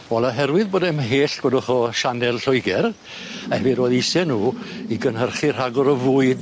Wel oherwydd bod e'n mhell, gwedwch o sianel Lloegr a hefyd o'dd isie nw i gynhyrchu rhagor o fwyd